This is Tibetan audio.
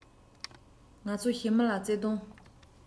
ང ཚོ ཞི མི ལ བརྩེ དུང